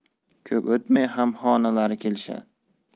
ko'p o'tmay hamxonalari kelishdi